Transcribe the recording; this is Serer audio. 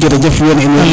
jerejef wene